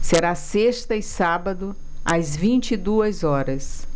será sexta e sábado às vinte e duas horas